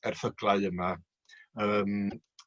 erthyglau yma yym